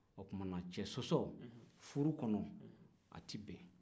o tumana cɛ sɔsɔ furu kɔnɔ a tɛ bɛn